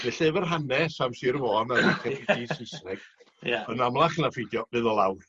fel llyfyr hanes am Sir Fôn a Sysneg. Ia. Yn amlach na pheidio fydd o lawr.